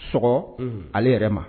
Sɔgɔ ale yɛrɛ ma.